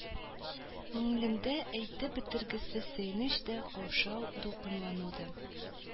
Ңелемдә әйтеп бетергесез сөенеч тә, каушау-дулкынлану да,